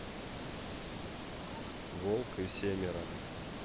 волк и семеро